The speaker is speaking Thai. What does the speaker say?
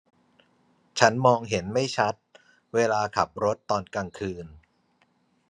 ฉันมองไม่เห็นไม่ชัดเวลาขับรถตอนกลางคืน